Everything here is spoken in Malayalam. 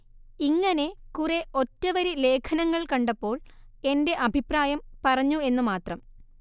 ഇങ്ങനെ കുറെ ഒറ്റവരി ലേഖനങ്ങൾ കണ്ടപ്പോൾ എന്റെ അഭിപ്രായം പറഞ്ഞു എന്നു മാത്രം